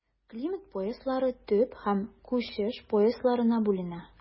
Климат пояслары төп һәм күчеш поясларына бүленә.